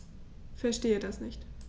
Verstehe das nicht.